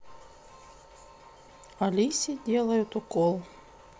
алисе делают укол